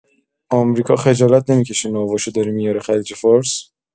آمریکا خجالت نمی‌کشه ناواشو داره میاره خلیج‌فارس؟